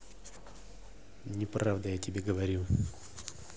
неправда я тебе говорю